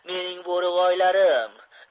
mening bo'rivoylarim